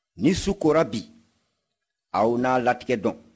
ni su kora bi aw na a latigɛ dɔn